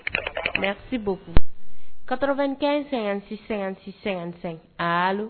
Merci beaucoup 95 56 56 55 Aaallo